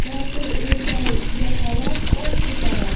botir o'lsa yapaloq bosh ko'tarar